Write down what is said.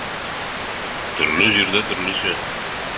Төрле җирдә төрлечә.